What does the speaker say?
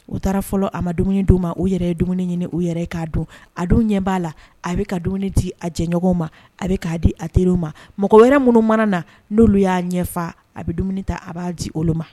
O taara fɔlɔ a ma dumuni di u ma . U yɛrɛ ye dumuni ɲini u yɛrɛ ye ka dun a dun ɲɛ ba la a bi ka dumuni di a jɛ ɲɔgɔnw ma . A bi ka di a teriw ma. Mɔgɔ wɛrɛ minnu mana na nolu ya ɲɛfa a bi dumuni ta a ba di olu ma